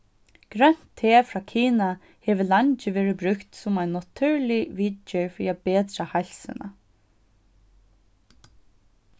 grønt te frá kina hevur leingi verið brúkt sum ein natúrlig viðgerð fyri at betra heilsuna